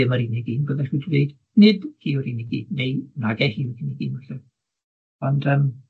ddim yr unig un, byddech chi 'di deud, nid hi yw'r unig un, neu nage hi yw'r unig un felly, ond yym